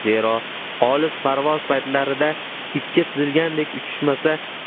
zero olis parvoz paytlarida ipga tizilgandek uchishmasa